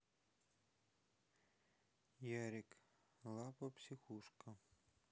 ярик лапа психушка